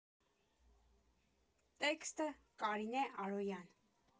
Տեքստը՝ Կարինե Արոյան։